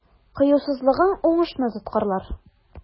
Кыюсызлыгың уңышны тоткарлар.